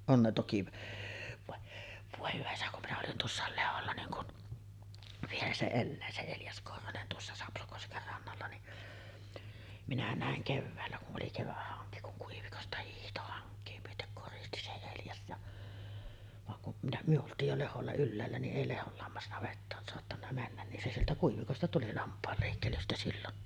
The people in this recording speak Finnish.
on ne toki vaan voi hyvä isä kun minä olin tuossa Lehdolla niin kun vielä se elää se Eljas Korhonen tuossa Sapsokosken rannalla niin minä näin keväällä kun oli keväthanki kun Kuivikosta hiihti hankea myöten koristi se Eljas ja vaan kun minä me oltiin jo Lehdolla ylhäällä niin ei Lehdon lammasnavettaan saattanut mennä niin se sieltä Kuivikosta tuli lampaan leikkelystä silloin